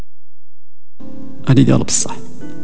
اديداس